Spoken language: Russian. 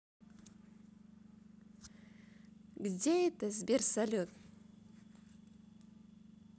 где это сбер салют